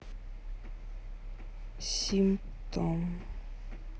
симптом